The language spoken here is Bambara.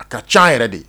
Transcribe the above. A ka ca yɛrɛ de ye